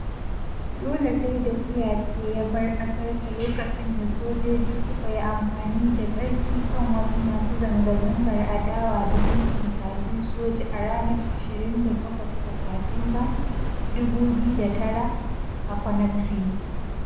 Dole sai da Kouyaté ya bar ƙasarsa lokacin da sojoji suka yi amfani da ƙarfi kan wasu masu zanga-zangar adawa da mulkin Kakin Soji a ranar 28 ga Satumba, 2009, a Conakry.